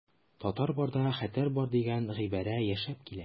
Татар барда хәтәр бар дигән гыйбарә яшәп килә.